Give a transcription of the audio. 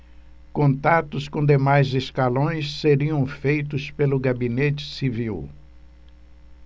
contatos com demais escalões seriam feitos pelo gabinete civil